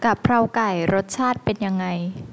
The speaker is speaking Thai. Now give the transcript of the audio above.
กะเพราไก่รสชาติเป็นยังไง